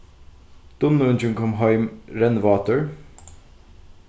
dunnuungin kom heim rennvátur